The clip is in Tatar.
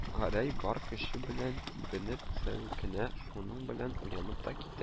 Гәрәй бар көче белән тибенеп селкенә, шуның белән уянып та китә